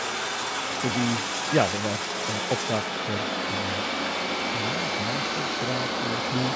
Fordi, ja, det var opptak for, ja, en mastergrad, vil jeg tro.